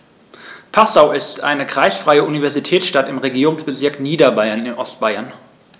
Passau ist eine kreisfreie Universitätsstadt im Regierungsbezirk Niederbayern in Ostbayern.